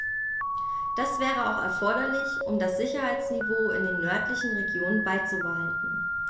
Das wäre auch erforderlich, um das Sicherheitsniveau in den nördlichen Regionen beizubehalten.